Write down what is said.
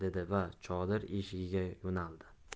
dedi va chodir eshigiga yo'naldi